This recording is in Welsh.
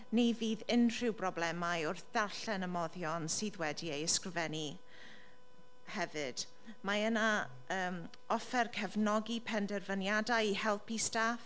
Ni fydd unrhyw broblemau wrth darllen y moddion sydd wedi eu ysgrifennu hefyd. Mae yna yym offer cefnogi penderfyniadau i helpu staff